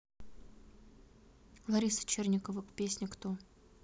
лариса черникова песня кто